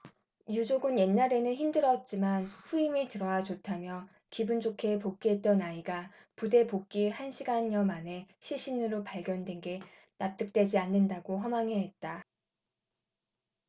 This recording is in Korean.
유족은 옛날에는 힘들었지만 후임이 들어와 좋다며 기분 좋게 복귀했던 아이가 부대 복귀 한 시간여 만에 시신으로 발견된 게 납득되지 않는다고 허망해 했다